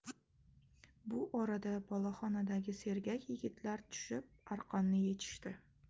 bu orada boloxonadagi sergak yigitlar tushib arqonni yechishdi